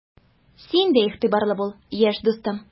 Син дә игътибарлы бул, яшь дустым!